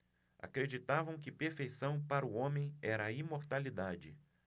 acreditavam que perfeição para o homem era a imortalidade